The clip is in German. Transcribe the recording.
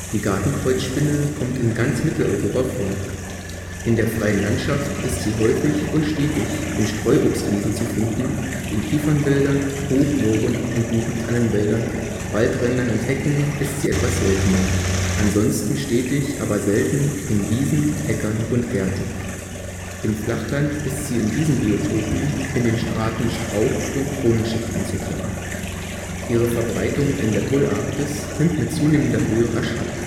Die Gartenkreuzspinne kommt in ganz Mitteleuropa vor. In der freien Landschaft ist sie häufig und stetig in Streuobstwiesen zu finden; in Kiefernwäldern, Hochmooren und Buchen-Tannen-Wäldern, Waldrändern und Hecken ist sie etwas seltener, ansonsten stetig, aber selten in Wiesen, Äckern und Gärten. Im Flachland ist sie in diesen Biotopen in den Straten Strauch - und Kronenschicht anzutreffen. Ihre Verbreitung in der Holarktis nimmt mit zunehmender Höhe rasch ab